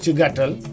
ci gàttal